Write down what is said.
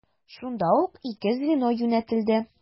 Шунда ук ике звено юнәтелде.